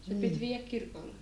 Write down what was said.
se piti viedä kirkolle